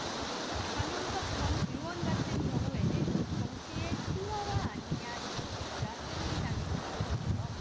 강용석 전 의원 같은 경우에는 정치의 희화화 아니냐 이런 얘기가 새누리당에서 나오던데요